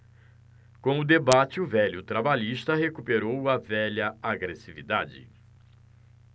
com o debate o velho trabalhista recuperou a velha agressividade